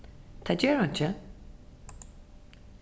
tað ger einki